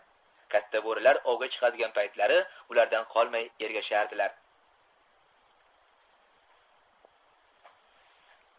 katta bo'rilar ovga chiqadigan paytlari ulardan qolmay ergashardilar